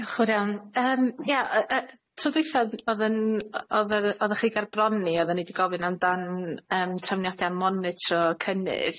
Dioch yn fawr iawn. Yym ia, yy yy tro dwytha o'dd o'dd yn o- o'dd yy oddych chi gerbron ni, odden ni 'di gofyn amdan yym trefniadau monitro cynnydd.